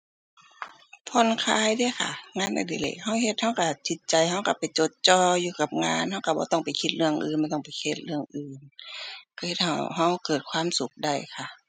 ผ่อนคลายเดะค่ะ งานอดิเรก เราเฮ็ดเราเราจิตใจเราเราไปจดจ่ออยู่กับงาน เราเราบ่ต้องไปคิดเรื่องอื่น บ่ต้องไปเครียดเรื่องอื่น เราเฮ็ดให้เราเกิดความสุขได้ค่ะ